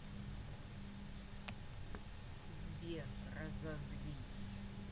сбер разозлись